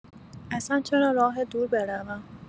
اصلا چرا راه دور بروم.